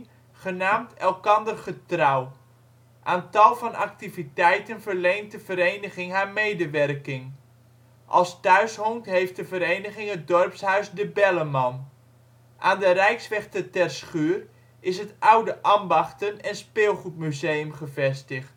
genaamd Elkander Getrouw. Aan tal van activiteiten verleent de vereniging haar medewerking. Als thuishonk heeft de vereniging het dorpshuis De Belleman. Aan de Rijksweg te Terschuur is het oude ambachten - en speelgoedmuseum gevestigd